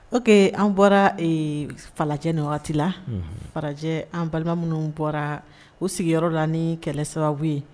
Oke an bɔra falajɛjɛ ni wagati la falajɛ an balima minnu bɔra u sigiyɔrɔ la ni kɛlɛ sababu ye